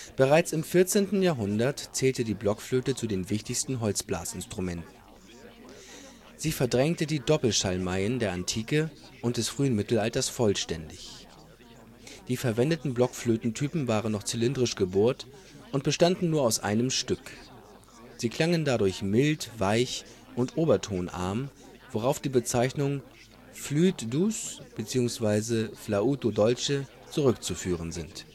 Bereits im 14. Jahrhundert zählte die Blockflöte zu den wichtigsten Holzblasinstrumenten. Sie verdrängte die Doppelschalmeien der Antike und des frühen Mittelalters vollständig. Die verwendeten Blockflötentypen waren noch zylindrisch gebohrt und bestanden nur aus einem Stück. Sie klangen dadurch mild, weich und obertonarm, worauf die Bezeichnungen Flûte douce bzw. Flauto dolce zurückzuführen sind